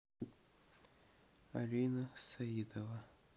алина саидова